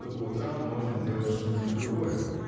что по утрам можно делать что-нибудь другое